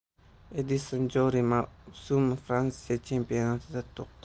edinson joriy mavsum fransiya chempionatida